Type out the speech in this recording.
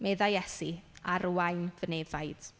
Meddai Iesu arwain fy nefaid.